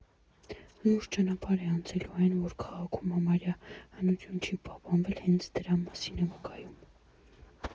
Լուրջ ճանապարհ է անցել ու այն, որ քաղաքում համարյա հնություն չի պահպանվել հենց դրա մասին է վկայում։